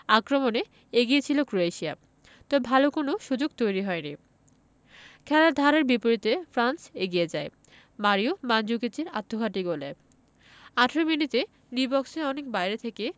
আক্রমণে এগিয়ে ছিল ক্রোয়েশিয়া তবে ভালো কোনো সুযোগ তৈরি হয়নি খেলার ধারার বিপরীতে ফ্রান্স এগিয়ে যায় মারিও মানজুকিচের আত্মঘাতী গোলে ১৮ মিনিটে ডি বক্সের অনেক বাইরে থেকে